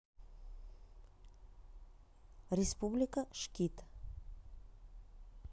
республика шкид